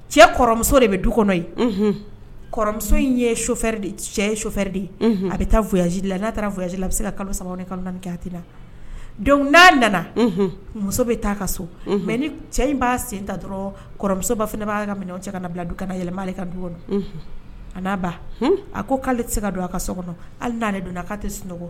Cɛmuso de bɛ du kɔnɔ yemuso in ye cɛ sofɛri de ye a bɛ la n'a taarayanla a bɛ se ka kalo saba ni ni na don n' nana muso bɛ taa ka so mɛ ni cɛ in b'a sen ta dɔrɔnmuso ba fana b'a ka minɛ o cɛ kana bila du kana yɛlɛma ka du a n'a ba a ko k'ale ale tɛ se ka don a ka so kɔnɔ hali n'ale donna k'a tɛ sunɔgɔ